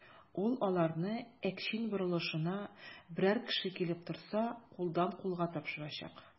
Ул аларны Әкчин борылышына берәр кеше килеп торса, кулдан-кулга тапшырачак.